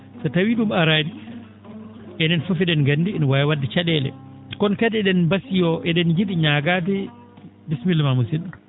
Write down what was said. so tawii ?um araani enen fof e?en nganndi ina waawi wa?de ca?eele kono kadi e?en mbasiyoo e?en ji?i ñaagaade bisimillama musid?o